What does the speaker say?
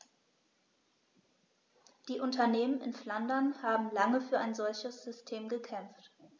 Die Unternehmen in Flandern haben lange für ein solches System gekämpft.